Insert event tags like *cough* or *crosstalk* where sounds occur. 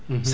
*hesitation* *hesitation*